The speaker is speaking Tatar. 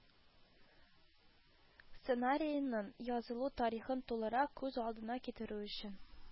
Сценарийның язылу тарихын тулырак күз алдына китерү өчен,